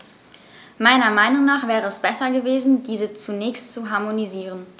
Meiner Meinung nach wäre es besser gewesen, diese zunächst zu harmonisieren.